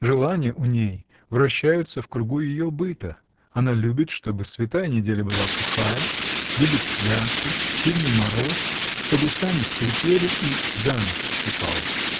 Желания у ней вращаются в кругу ее быта: она любит, чтобы Святая неделя была сухая, любит святки, сильный мороз, чтобы сани скрипели и за нос щипало.